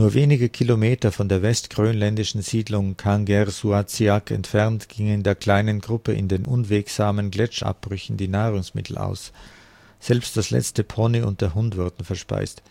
wenige Kilometer von der westgrönländischen Siedlung Kangersuatsiaq entfernt gingen der kleinen Gruppe in den unwegsamen Gletscherabbrüchen die Nahrungsmittel aus, selbst das letzte Pony und der Hund wurden verspeist